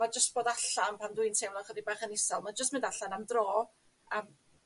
ma' jyst bod allan pan dwi'n teimlo'n chydig bach yn isel ma' jyst mynd allan am dro am